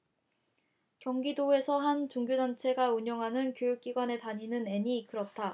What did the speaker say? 경기도에서 한 종교단체가 운영하는 교육기관에 다니는 앤이 그렇다